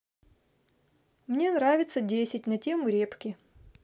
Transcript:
мне нравится десять на тему репки